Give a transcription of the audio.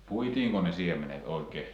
puitiinko ne siemenet oikein